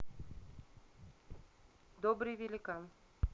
добрый великан